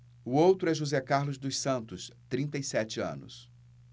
o outro é josé carlos dos santos trinta e sete anos